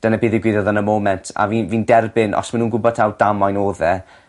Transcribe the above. dyna be' ddigwyddodd yn y moment a fi'n fi'n derbyn os ma' nw'n gwbod taw damwain odd e